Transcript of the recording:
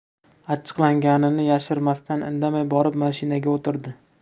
achchiqlanganini yashirmasdan indamay borib mashinaga o'tirdi